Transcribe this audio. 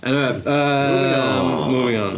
Eniwe yy... Moving on. ...Moving on,